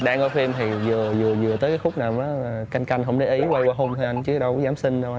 đang coi phim thì dừa dừa dừa tới khúc nào đó rồi canh canh hông để ý quay qua hôn thôi anh chứ đâu dó dám xin đâu anh